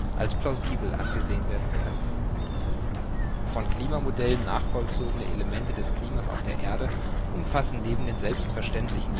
Klimamodellen nachvollzogene Elemente des Klimas der Erde umfassen neben den selbstverständlichen jahreszeitlichen